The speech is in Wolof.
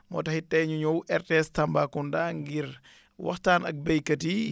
moo taxit tey dañu ñëw RTS Tambacounda ngir waxtaan ak béykat yi